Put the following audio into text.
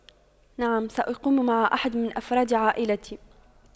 نعم سأقيم مع أحد من أفراد عائلتي